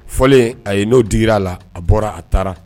Fɔlen a ye, n'o digir'a la, a bɔra a taara.